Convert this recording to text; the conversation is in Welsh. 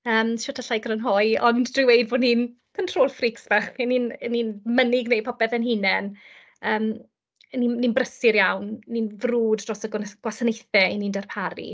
Yym, shwt alla i grynhoi ond drwy weud bod ni'n control freaks bach, 'y ni'n 'y ni'n mynnu gwneud popeth ein hunain, yym 'y ni ni'n brysur iawn, ni'n frwd dros y gwan- gwasanaethe 'y ni'n darparu.